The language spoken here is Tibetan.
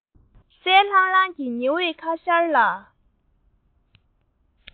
གསལ ལྷང ལྷང གི ཉི འོད ཁ ཤར ལ